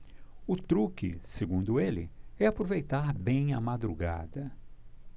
o truque segundo ele é aproveitar bem a madrugada